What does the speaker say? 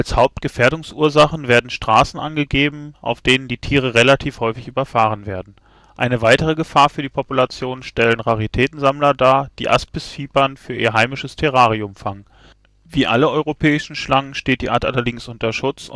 Hauptgefährdungsursachen werden Straßen angegeben, auf denen die Tiere relativ häufig überfahren werden. Eine weitere Gefahr für die Populationen stellen Raritätensammler dar, die Aspisvipern für ihr heimisches Terrarium fangen. Wie alle europäischen Schlangen steht die Art allerdings unter Schutz